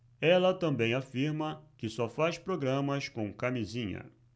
ela também afirma que só faz programas com camisinha